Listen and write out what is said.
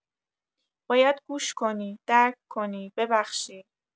باید گوش کنی، درک کنی، ببخشی.